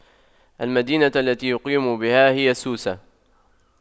المدينة التي يقيم بها هي سوسة